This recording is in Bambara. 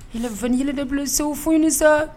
2eele de bila segu foyi sa